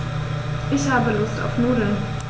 Ich habe Lust auf Nudeln.